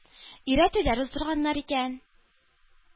Өйрәтүләр уздырганнар икән